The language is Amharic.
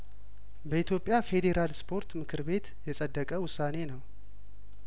በኢትዮጵያ ፌዴራል ስፖርት ምክር ቤት የጸደቀ ውሳኔ ነው